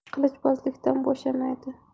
qilichbozlikdan bo'shamaydi